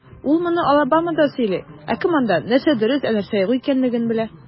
Ул моны Алабамада сөйли, ә кем анда, нәрсә дөрес, ә нәрсә юк икәнлеген белә?